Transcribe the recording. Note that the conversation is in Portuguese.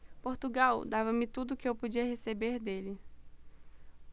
portugal dava-me tudo o que eu podia receber dele